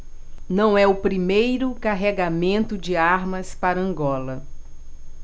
não é o primeiro carregamento de armas para angola